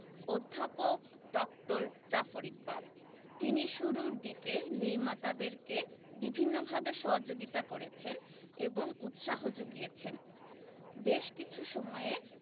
অধ্যাপক ড. জাফর ইকবাল তিনি শুরুর দিকে নির্মাতাদেরকে বিভিন্নভাবে সহযোগিতা করেছেন এবং উৎসাহ যুগিয়েছেন বেশ কিছু সময়ে